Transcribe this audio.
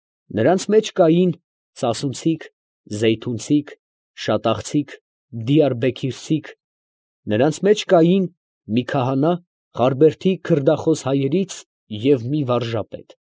Նրանց մեջ կային սասունցիք, զեյթունցիք, շատաղցիք, դիարբեքիրցիք, նրանց մեջ կային՝ մի քահանա Խարբերդի քրդախոս հայերից և մի վարժապետ։